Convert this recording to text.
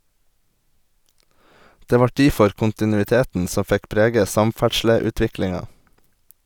Det vart difor kontinuiteten som fekk prege samferdsleutviklinga.